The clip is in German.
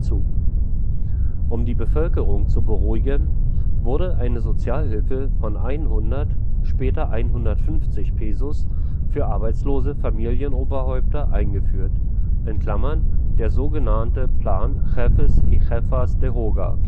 Um die Bevölkerung zu beruhigen, wurde eine Sozialhilfe von 100, später 150 Pesos für arbeitslose Familienoberhäupter eingeführt (der sogenannte Plan Jefes y Jefas de Hogar